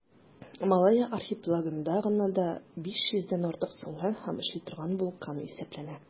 Малайя архипелагында гына да 500 дән артык сүнгән һәм эшли торган вулкан исәпләнә.